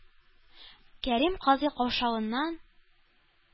Кәрим казый каушавыннан